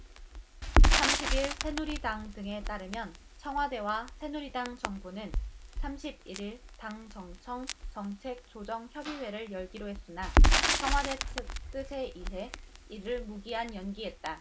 삼십 일 새누리당 등에 따르면 청와대와 새누리당 정부는 삼십 일 일 당정청 정책조정협의회를 열기로 했으나 청와대 측 뜻에 의해 이를 무기한 연기했다